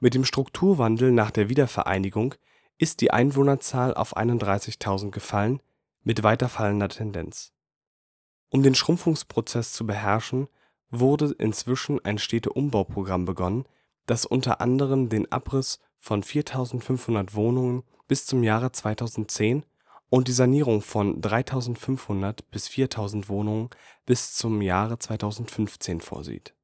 dem Strukturwandel nach der Wiedervereinigung ist die Einwohnerzahl auf 31.000 gefallen, mit weiter fallender Tendenz. Um den Schrumpfungsprozess zu beherrschen, wurde inzwischen ein Stadtumbauprogramm begonnen, das unter anderem den Abriss von 4.500 Wohnungen bis zum Jahre 2010 und die Sanierung von 3.500 bis 4.000 Wohnungen bis zum Jahre 2015 vorsieht